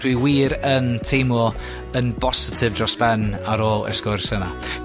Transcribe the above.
Rwy wir yn teimlo yn bositif dros ben ar ôl y sgwrs yna.